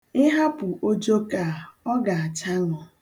Ị hapụ ojoko a, ọ ga-achaṅụ.